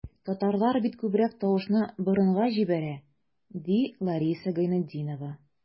Татарлар бит күбрәк тавышны борынга җибәрә, ди Лариса Гайнетдинова.